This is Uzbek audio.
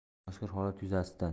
mazkur holat yuzasidan